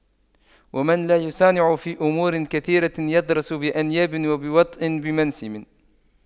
ومن لا يصانع في أمور كثيرة يضرس بأنياب ويوطأ بمنسم